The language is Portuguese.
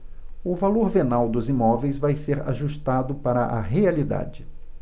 o valor venal dos imóveis vai ser ajustado para a realidade